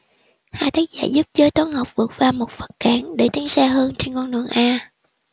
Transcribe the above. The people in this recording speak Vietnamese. hai tác giả giúp giới toán học vượt qua một vật cản để tiến xa hơn trên con đường a